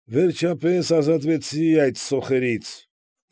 Վերջապես ազատվեցի այդ սոխերից։